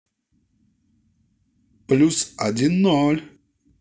плюс один ноль